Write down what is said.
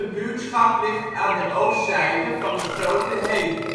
buurtschap ligt aan de oostzijde van de Grote Heekt